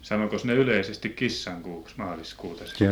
sanoikos ne yleisesti kissankuuksi maaliskuuta sitten